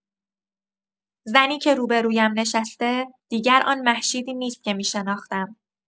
زنی که روبه‌رویم نشسته، دیگر آن مهشیدی نیست که می‌شناختم.